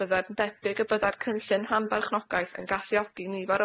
bydda'n debyg y bydda'r cynllun rhan-farchnogaeth yn galluogi nifer